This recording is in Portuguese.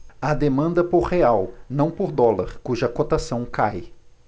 há demanda por real não por dólar cuja cotação cai